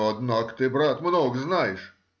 — Однако ты, брат, много знаешь.